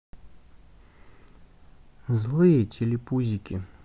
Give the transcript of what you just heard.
злые телепузики